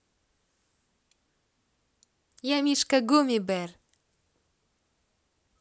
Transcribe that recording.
я мишка гуми бер